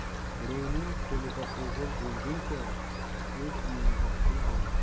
birovning qoiida o'g'il bo'lguncha o'z uyingda qui bo'l